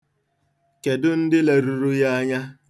Kedụ ndị leruru ya anya?